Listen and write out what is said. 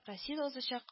Россиядә узачак